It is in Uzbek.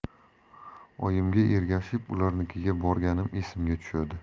oyimga ergashib ularnikiga borganim esimga tushadi